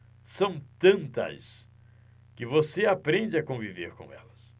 são tantas que você aprende a conviver com elas